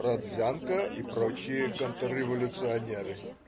Родзянко и прочие контрреволюционеры.